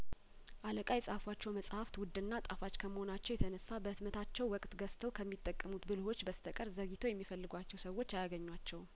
አለቃ የጻፏቸው መጽሀፍት ውድና ጣፋጭ ከመሆ ናቸው የተነሳ በህትመታቸው ወቅት ገዝተው ከሚጠቀሙት ብልህዎች በስተቀር ዘግይተው የሚፈልጓቸው ሰዎች አያገኟቸውም